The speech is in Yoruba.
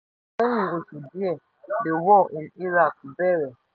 Lẹ́yìn oṣù díẹ̀, The War in Iraq bẹ̀rẹ̀.